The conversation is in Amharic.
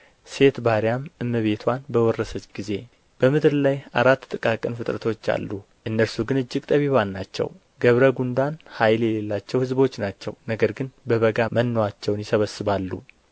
ሴት ባሪያም እመቤቷን በወረሰች ጊዜ በምድር ላይ አራት ጥቃቅን ፍጥረቶች አሉ እነርሱ ግን እጅግ ጠቢባን ናቸው ገብረ ጕንዳን ኃይል የሌላቸው ሕዝቦች ናቸው ነገር ግን በበጋ መኖዋቸዋን ይሰበስባሉ